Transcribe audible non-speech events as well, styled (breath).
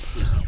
(breath) (hesitation)